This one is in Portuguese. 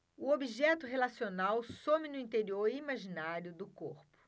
o objeto relacional some no interior imaginário do corpo